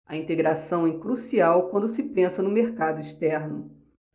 a integração é crucial quando se pensa no mercado externo